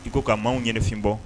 I ko ka maaw ɲɛnafin bɔ.